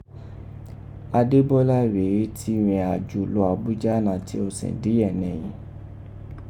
Adébọ́lá rèé ti rẹ̀n ajo lọ Abuja nati ọsẹn diyẹ nẹ́yìn.